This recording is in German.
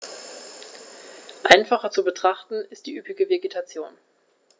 Einfacher zu betrachten ist die üppige Vegetation.